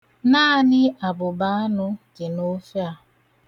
Naanị abụba anụ dị n'ofe a.